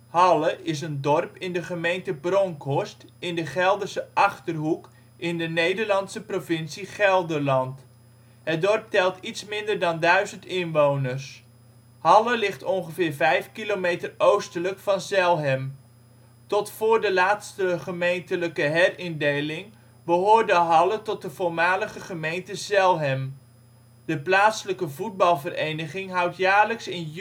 Halle is een dorp in de gemeente Bronckhorst in de Gelderse Achterhoek in de Nederlandse provincie Gelderland. Het dorp telt iets minder dan 1000 inwoners. Halle ligt ongeveer vijf kilometer oostelijk van Zelhem. Tot voor de laatste gemeente herindeling behoorde Halle tot de voormalige gemeente Zelhem. De plaatselijke voetbal vereniging houdt jaarlijks in